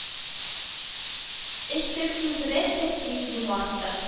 Эчкерсезрәк тә син, юмарт та